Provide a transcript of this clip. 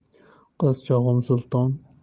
qiz chog'im sulton